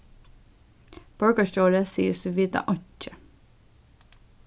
borgarstjóri sigur seg vita einki